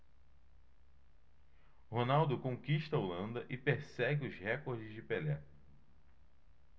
ronaldo conquista a holanda e persegue os recordes de pelé